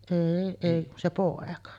ei ei kun se poika